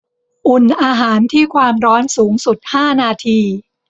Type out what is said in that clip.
อุ่นอาหารที่ความร้อนสูงสุดห้านาที